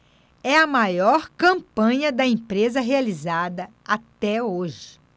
é a maior campanha da empresa realizada até hoje